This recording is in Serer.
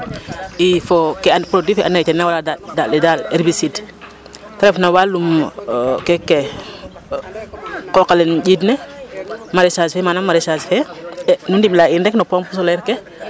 II fo ke and produit fe andoona yee fe andoona yee ten naa waraa daaƭ le daal herbicide ta ref no walum e% keeke ke qooq ale ƴiid ne maraichage fe e nu ndimle a in rek no pompe solaire ke .